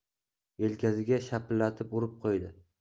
yelkasiga shapillatib urib qo'ydi